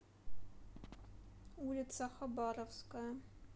улица хабаровская